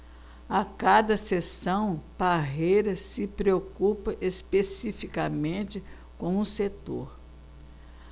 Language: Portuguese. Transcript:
a cada sessão parreira se preocupa especificamente com um setor